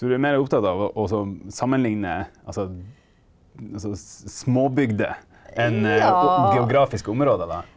du er mere opptatt av å også sammenligne altså altså småbygder enn geografiske områder da?